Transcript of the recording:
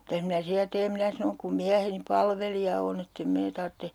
mitäs minä siellä teen minä sanoin kun mieheni palvelija on että en minä tarvitse